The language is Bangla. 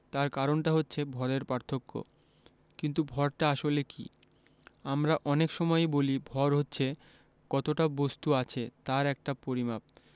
তার কারণটা হচ্ছে ভরের পার্থক্য কিন্তু ভরটা আসলে কী আমরা অনেক সময়েই বলি ভর হচ্ছে কতটা বস্তু আছে তার একটা পরিমাপ